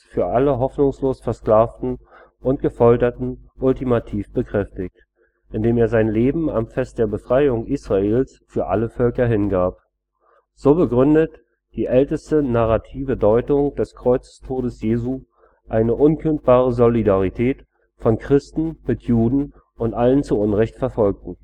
für alle hoffnungslos Versklavten und Gefolterten ultimativ bekräftigt, indem er sein Leben am Fest der Befreiung Israels für alle Völker hingab. So begründet die älteste narrative Deutung des Kreuzestodes Jesu eine unkündbare Solidarität von Christen mit Juden und allen zu Unrecht Verfolgten